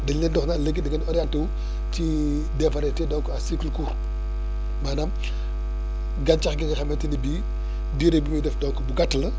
dañ leen di wax naan léegi dangeen orienté wu ci des variétés donc à cycle court maanaam gàncax gi nga xamante ni bii durée bi muy def donc bu gàtt la